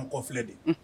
N kɔfi de